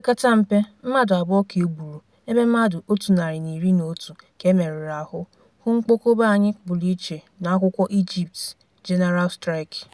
O pekata mmpe mmadụ abụọ ka e gburu, ebe mmadụ otu narị na iri na otu ka e meruru ahụ(Hụ mkpọkọba anyị pụrụ iche n'akwụkwọ Egypt's General Strike).